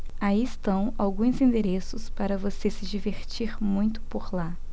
aí estão alguns endereços para você se divertir muito por lá